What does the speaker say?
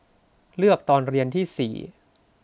เลือกตอนเรียนที่สี่